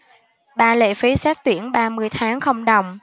ba lệ phí xét tuyển ba mươi tháng không đồng